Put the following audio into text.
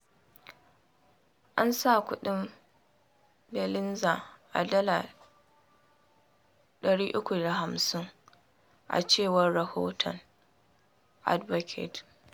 An sa kuɗin belinsa a dala 350,000, a cewar rahoton Advocate.